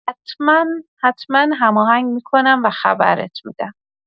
حتما هماهنگ می‌کنم و خبرت می‌دم.